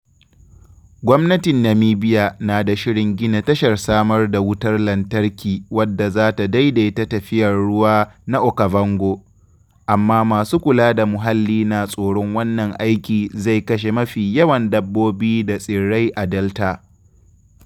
Gwamnatin Namibia na da shirin gina tashar samar da wutar lantarki wadda za ta daidaita tafiyar ruwa na Okavango, amma masu kula da muhalli na tsoron wannan aiki zai kashe mafi yawan dabbobi da tsirrai a Delta.